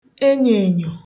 enyō ènyò